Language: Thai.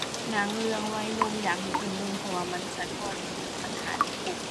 หนังเรื่องวัยหนุ่มอยากให้เพิ่นเบิ่ง เพราะว่ามันสะท้อนเรื่องปัญหาในคุก